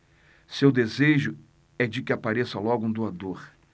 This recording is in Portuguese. seu desejo é de que apareça logo um doador